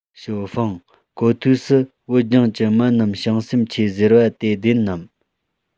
ཞའོ ཧྥུང གོ ཐོས སུ བོད ལྗོངས ཀྱི མི རྣམས བྱང སེམས ཆེ ཟེར བ དེ བདེན ནམ